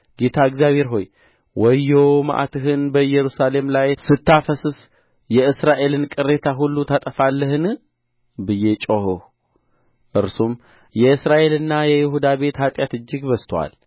ጌታ እግዚአብሔር ሆይ ወዮ መዓትህን በኢየሩሳሌም ላይ ስታፈስስ የእስራኤልን ቅሬታ ሁሉ ታጠፋለህን ብዬ ጮኽሁ እርሱም የእስራኤልና የይሁዳ ቤት ኃጢአት እጅግ በዝቶአል